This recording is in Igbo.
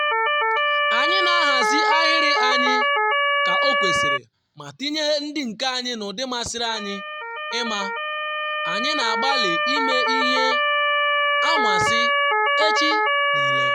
Anyị na-ahazi ahịrị anyị ka ọ kwesịrị ma tinye ndị nke anyị n’ụdị masịrị anyị, ịma, anyị na-agbalị ime ihe anwansi echi niile.”